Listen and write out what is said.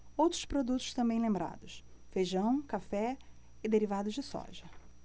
outros produtos também lembrados feijão café e derivados de soja